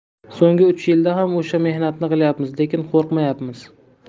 so'nggi uch yilda ham o'sha mehnatni qilyapmiz lekin qo'rqmayapmiz